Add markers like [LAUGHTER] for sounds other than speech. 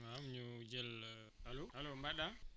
waaw ñu jël [HESITATION] allo allo